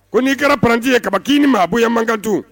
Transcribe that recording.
Ko n'i kɛra p patie ye kaba k'i ni maaya mankan kan don